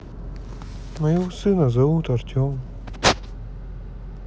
моего сына зовут артем